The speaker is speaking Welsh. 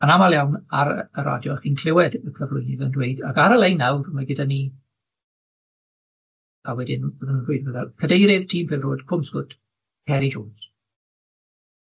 Yn amal iawn ar y radio chi'n cliwed y cyflwynydd yn dweud ac ar y lein nawr mae gyda ni a wedyn bydden nhw'n dweud pethe fel cadeirydd tîm pêl drod Cwm Sgwt, Ceri Jones.